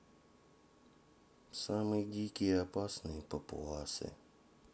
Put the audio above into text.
самые дикие и опасные папуасы